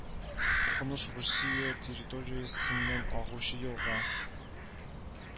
Охонуш Русия территориясеннән агучы елга